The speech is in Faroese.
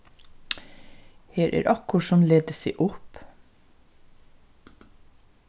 her er okkurt sum letur seg upp